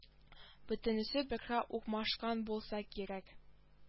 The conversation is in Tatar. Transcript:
Бөтенесе бергә укмашкан булса кирәк